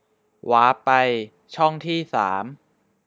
วาปไปช่องที่สาม